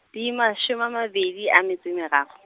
di mashome a mabedi a metso e meraro.